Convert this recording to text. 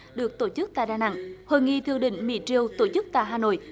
được tổ chức tại đà nẵng hội nghị thượng đỉnh mỹ triều tổ chức tại hà nội